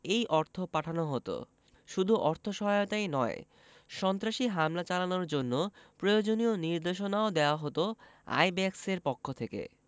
এই অর্থ পাঠানো হতো শুধু অর্থসহায়তাই নয় সন্ত্রাসী হামলা চালানোর জন্য প্রয়োজনীয় নির্দেশনাও দেওয়া হতো আইব্যাকসের পক্ষ থেকে